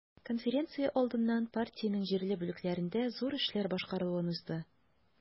Конференция алдыннан партиянең җирле бүлекләрендә зур эшләр башкарылуын узды.